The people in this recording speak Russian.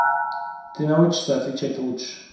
ты научишься отвечать лучше на